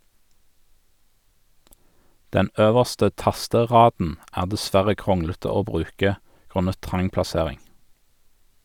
Den øverste tasteraden er dessverre kronglete å bruke grunnet trang plassering.